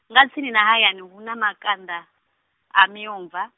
nga tsini na hayani hu na makanda, a miomva.